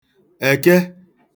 Èke